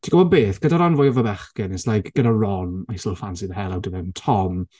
Ti'n gwybod beth? Gyda ran fwyaf o'r bechgyn, it's like, gyda Ron, I still fancy the hell out of him. Tom...